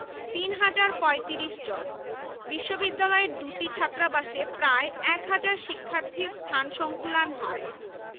এটি বিভিন্ন গবেষণা জার্নাল প্রকাশ প্রতি বছর জাতীয় এবং আন্তর্জাতিক কনফারেন্স সেমিনার এবং কর্মশালার আয়োজন করছে